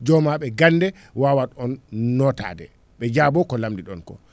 jomaɓe gande wawat on notade ɓe jaabo ko lamdiɗon ko